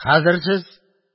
Хәзер сез